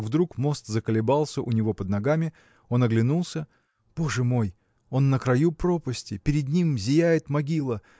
как вдруг мост заколебался у него под ногами он оглянулся: боже мой! он на краю пропасти перед ним зияет могила